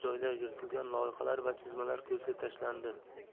joylari yirtilgan loyihalar va chizmalar ko'zga tashlandi